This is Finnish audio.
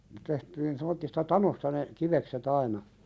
tehtiin semmoisesta tanosta ne kivekset aina